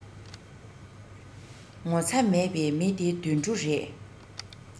ངོ ཚ མེད པའི མི དེ དུད འགྲོ རེད